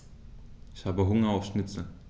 Ich habe Hunger auf Schnitzel.